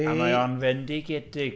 A mae o'n fendigedig.